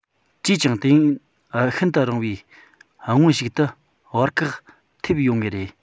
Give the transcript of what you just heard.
ཅིས ཀྱང དུས ཡུན ཤིན ཏུ རིང བའི སྔོན ཞིག ཏུ བར བཀག ཐེབས ཡོད ངེས རེད